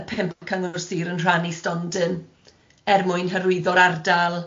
y pump cyngor sir yn rhannu stondin er mwyn hyrwyddo'r ardal.